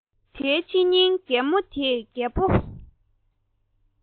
དེའི ཕྱི ཉིན རྒན མོ དེས རྒད པོ